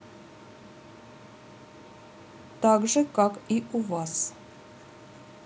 так же как и у вас